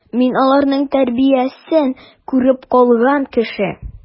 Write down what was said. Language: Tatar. Мин аларның тәрбиясен күреп калган кеше.